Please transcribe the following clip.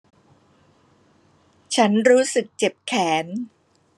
ฉันรู้สึกเจ็บแขน